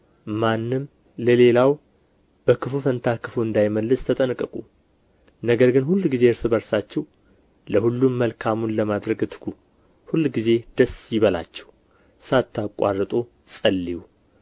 ማንም ለሌላው በክፉ ፈንታ ክፉ እንዳይመልስ ተጠንቀቁ ነገር ግን ሁልጊዜ እርስ በርሳችሁ ለሁሉም መልካሙን ለማድረግ ትጉ ሁልጊዜ ደስ ይበላችሁ ሳታቋርጡ ጸልዩ